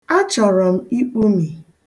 A chọrọ m ikpumi.